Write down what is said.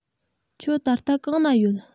ཁྱོད ད ལྟ གང ན ཡོད